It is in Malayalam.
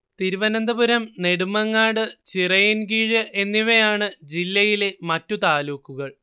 തിരുവനന്തപുരം നെടുമങ്ങാട് ചിറയൻകീഴ് എന്നിവയാണ് ജില്ലയിലെ മറ്റു താലൂക്കുകൾ